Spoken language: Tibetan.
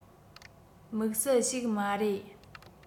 དམིགས བསལ ཞིག མ རེད